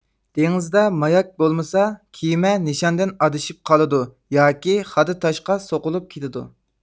دېڭىزدا ماياك بولمىسا كېمە نىشاندىن ئادىشىپ قالىدۇ ياكى خادا تاشقا سوقۇلۇپ كېتىدۇ